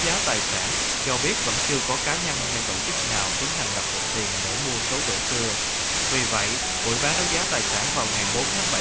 cho biết chưa có cá nhân tổ chức nào tiến hành đặt cọc tiền để đấu giá mua gỗ sưa vì vậy buổi bán đấu giá ngày